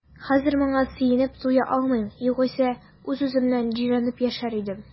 Хәзер моңа сөенеп туя алмыйм, югыйсә үз-үземнән җирәнеп яшәр идем.